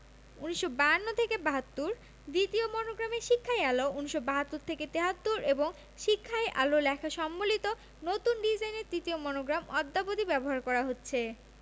১৯৫২ ৭২ দ্বিতীয় মনোগ্রামে শিক্ষাই আলো ১৯৭২ ৭৩ এবং শিক্ষাই আলো লেখা সম্বলিত নতুন ডিজাইনের তৃতীয় মনোগ্রাম অদ্যাবধি ব্যবহার করা হচ্ছে